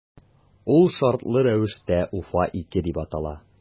Ул шартлы рәвештә “Уфа- 2” дип атала.